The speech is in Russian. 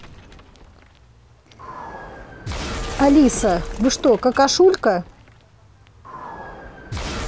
алиса вы что какашулька